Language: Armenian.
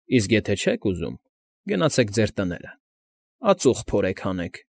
Իսկ եթե չեք ուզում՝ գնացեք ձեր տները, ածուխ փորեք հանեք։